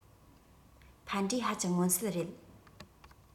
ཕན འབྲས ཧ ཅང མངོན གསལ རེད